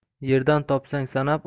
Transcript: yerdan topsang sanab